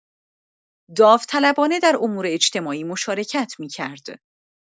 داوطلبانه در امور اجتماعی مشارکت می‌کرد.